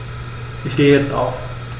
Ich stehe jetzt auf.